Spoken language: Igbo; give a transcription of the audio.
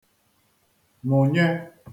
mụ̀nye